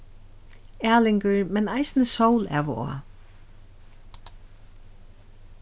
ælingur men eisini sól av og á